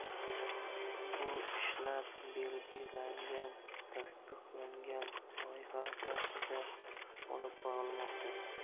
bu ishlar belgilangan tasdiqlangan loyiha asosida olib borilmoqda